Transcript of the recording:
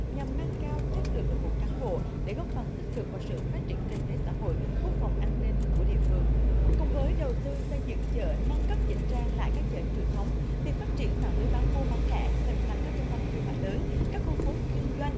nhằm nâng cao chất lượng đội ngũ cán bộ để góp phần tích cực vào sự phát triển kinh tế xã hội quốc phòng an ninh của địa phương cùng với đầu tư xây dựng chợ nâng cấp chỉnh trang lại các chợ truyền thống việc phát triển mạng lưới bán buôn bán lẻ hình thành các trung tâm thương mại lớn các khu phố chuyên doanh